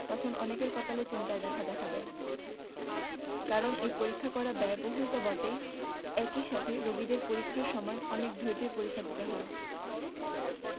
তখন অনেকের কপালে চিন্তার রেখা দেখা দেয় কারণ এই পরীক্ষা করা ব্যয়বহুল তো বটেই একই সাথে রোগীকে পরীক্ষার সময় অনেক ধৈর্য্যের পরীক্ষা দিতে হয়